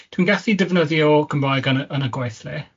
Dwi'n gallu defnyddio'r Gymraeg yn y yn y gweithle